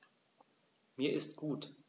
Mir ist gut.